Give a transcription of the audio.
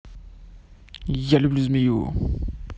я люблю змею